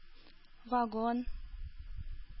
Вагон